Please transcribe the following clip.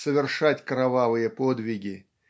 совершать кровавые подвиги